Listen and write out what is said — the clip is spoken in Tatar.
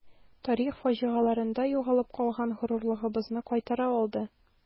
Тарих фаҗигаларында югалып калган горурлыгыбызны кайтара алды.